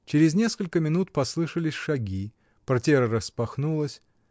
Через несколько минут послышались шаги, портьера распахнулась.